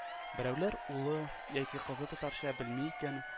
Берәүләр улы яки кызы татарча белми икән